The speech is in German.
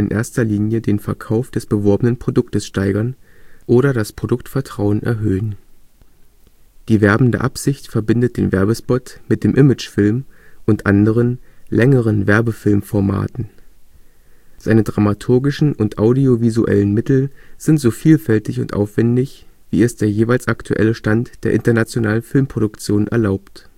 erster Linie den Verkauf des beworbenen Produktes steigern oder das Produktvertrauen erhöhen. Die werbende Absicht verbindet den Werbespot mit dem Imagefilm und anderen, längeren Werbefilmformaten. Seine dramaturgischen und audiovisuellen Mittel sind so vielfältig und aufwendig wie es der jeweils aktuelle Stand der internationalen Filmproduktion erlaubt